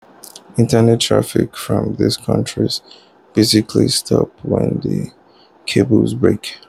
Internet traffic from these countries basically stops when the cable breaks.